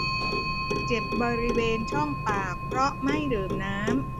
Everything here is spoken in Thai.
เจ็บบริเวณช่องปากเพราะไม่ดื่มน้ำ